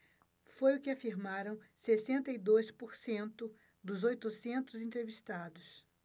foi o que afirmaram sessenta e dois por cento dos oitocentos entrevistados